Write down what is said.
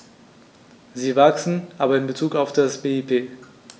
Sie wachsen, aber in bezug auf das BIP.